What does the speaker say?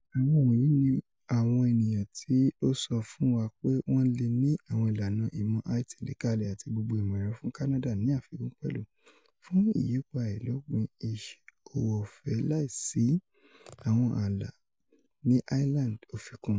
Àwọn wọ̀nyí ni àwọn ènìyàn tí ó sọ fún wa pé wọ́n lè ni àwọn ìlànà ìmọ̀ IT níkàlẹ̀ ati gbogbo ìmọ̀-ẹ̀rọ fún Canada ní àfikún pẹ̀lú, fún ìyípò àìlópin, ìṣòwò ọ̀fẹ́ láìsí àwọn ààlà ní Ireland,’o fi kun.